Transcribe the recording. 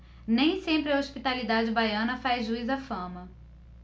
nem sempre a hospitalidade baiana faz jus à fama